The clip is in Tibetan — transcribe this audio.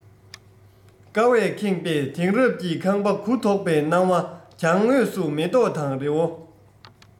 ཀ བས ཁེངས པས དེང རབས ཀྱི ཁང པ གུ དོག པའི སྣང བ གྱང ངོས སུ མེ ཏོག དང རི བོ